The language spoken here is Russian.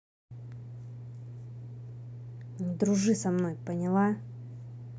не дружи со мной поняла